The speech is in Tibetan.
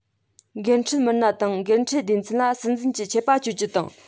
འགན འཁྲིའི མི སྣ དང འགན འཁྲིའི སྡེ ཚན ལ སྲིད འཛིན གྱི ཆད པ གཅོད རྒྱུ དང